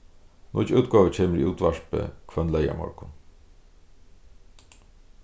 nýggj útgáva kemur í útvarpið hvønn leygarmorgun